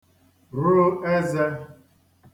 ro ezē